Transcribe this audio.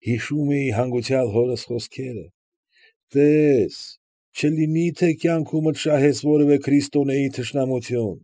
Հիշում էի հանգուցյալ հորս խոսքերը. «Տե՞ս, չլինի թե կյանքումդ շահես որևէ քրիստոնեի թշնամություն։